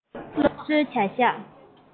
སློབ གསོའི བྱ གཞག